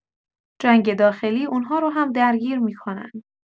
جنگ داخلی اون‌ها رو هم درگیر می‌کنن